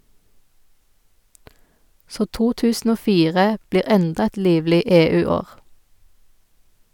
Så 2004 blir enda et livlig EU-år.